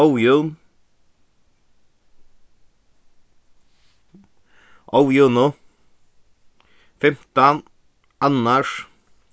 ójøvn ójøvnu fimtan annars